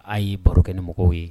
A yei baro kɛ ni mɔgɔw ye